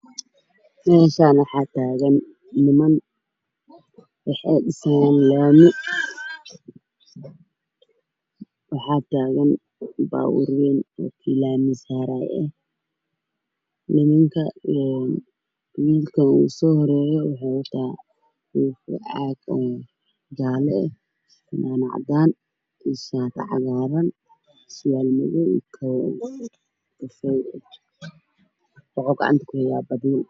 Meeshaan waxaa taagan niman waxay dhisayaan laami waxaa taagan baabuur wayn midkii laamiga saaraayay ah nimanka wiilkaan ugu soo horeeyo wuxuu wataa caag jaale ah funaanad cadaan iyo shaati cagaaran surwaal madow kabo wuxuu gacanta ku hayaa badeel